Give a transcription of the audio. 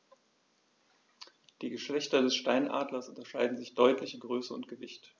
Die Geschlechter des Steinadlers unterscheiden sich deutlich in Größe und Gewicht.